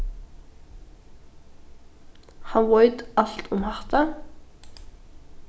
hann veit alt um hatta